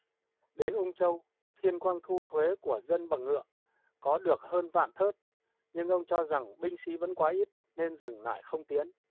đến ung châu thiên quang thu thuế của dân bằng ngựa có được hơn vạn thớt nhưng ông cho rằng binh sĩ vẫn quá ít nên dừng lại không tiến